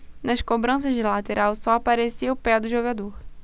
nas cobranças de lateral só aparecia o pé do jogador